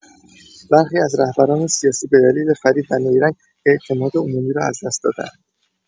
برخی از رهبران سیاسی به دلیل فریب و نیرنگ، اعتماد عمومی را از دست داده‌اند.